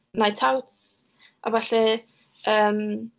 Night Out a ballu, yym.